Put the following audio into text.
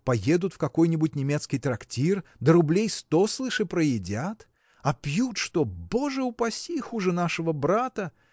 Поедут в какой-нибудь немецкий трактир да рублей сто слышь и проедят. А пьют что – боже упаси! хуже нашего брата!